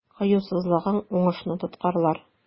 Кыюсызлыгың уңышны тоткарлар.